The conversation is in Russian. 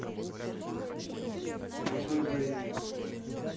крутой боевик